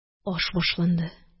Аш башланды